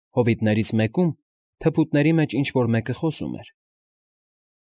Հովիտներից մեկում, թփուտների մեջ ինչ֊որ մեկը խոսում էր։